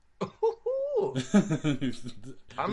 Pam...